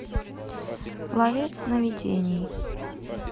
ловец сновидений